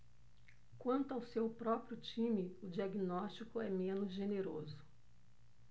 quanto ao seu próprio time o diagnóstico é menos generoso